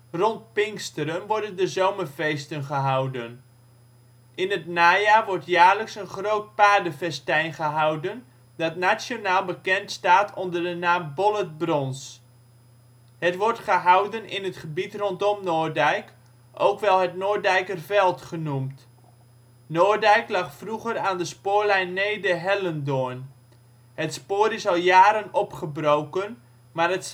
Rond Pinksteren worden de zomerfeesten gehouden (Noariker Pinkster Karmse). In het najaar wordt jaarlijks een groot paardenfestijn gehouden dat nationaal bekend staat onder de naam Bollert Brons. Het wordt gehouden in het gebied rond Noordijk, ook wel het Noordijkerveld genoemd. Noordijk lag vroeger aan de spoorlijn Neede - Hellendoorn. Het spoor is al jaren opgebroken maar het